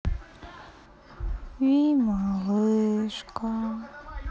ви малышка